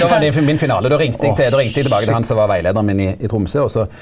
då var det min finale då ringte eg til då ringte eg tilbake til han som var rettleiaren min i i Tromsø også.